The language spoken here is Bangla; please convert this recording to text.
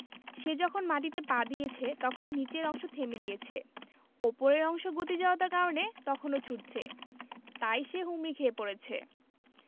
সে যখন মাটিতে পা দিয়েছে তখন নিচের অংশ থেমে গিয়েছে ওপরের অংশ গতি জড়তার কারণে তখনো ছুটছে তাই সে হুমড়ি খেয়ে পড়েছে